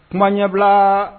Kuma ɲɛbila